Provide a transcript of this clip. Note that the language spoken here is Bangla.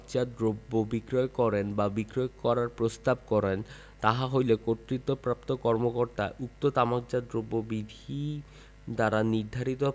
জাত দ্রব্য বিক্রয় করেন বা বিক্রয় করার প্রস্তাব করেন তাহা হইলে কর্তৃত্বপ্রাপ্ত কর্মকর্তা উক্ত তামাকজাত দ্রব্য বিধি দ্বারা নির্ধারিত